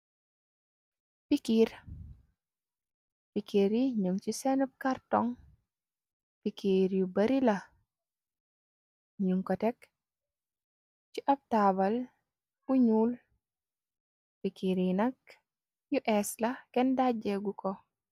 Pikiir, pikiir yi ñun ci senub kartoŋ, pikiir yu bari la, ñun ko tek ci ab taabal bu ñuul, pikiir yi nakk yu ees la, kenn dajjeegut ko.